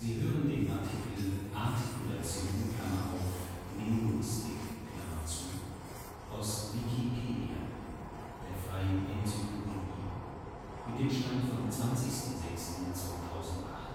hören den Artikel Artikulation (Linguistik), aus Wikipedia, der freien Enzyklopädie. Mit dem Stand vom Der